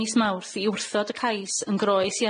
mis Mawrth i wrthod y cais yn groes i